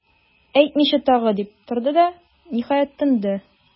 Әйтмичә тагы,- дип торды да, ниһаять, тынды.